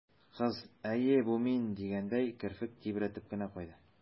Кыз, «әйе, бу мин» дигәндәй, керфек тибрәтеп кенә куйды.